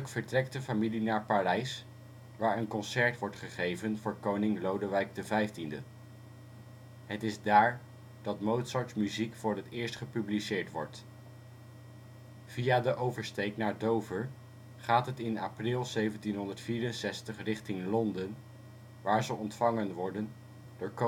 vertrekt de familie naar Parijs waar een concert wordt gegeven voor koning Lodewijk XV. Het is daar dat Mozarts muziek voor het eerst gepubliceerd wordt. Via de oversteek naar Dover gaat het in april 1764 richting Londen waar ze ontvangen worden door koning